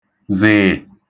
zị̀ị̀